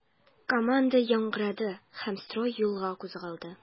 Команда яңгырады һәм строй юлга кузгалды.